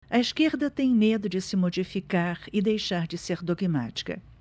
a esquerda tem medo de se modificar e deixar de ser dogmática